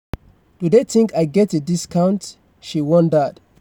"Do they think I get a discount?" she wondered.